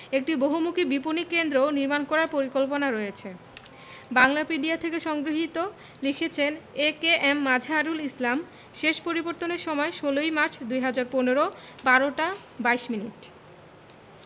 একটি বহুমুখী বিপণি কেন্দ্রও নির্মাণ করার পরিকল্পনা রয়েছে বাংলাপিডিয়া থেকে সংগৃহীত লিখেছেনঃ এ.কে.এম মাযহারুল ইসলাম শেষ পরিবর্তনের সময় ১৬ ই মার্চ ২০১৫ ১২টা ২২ মিনিট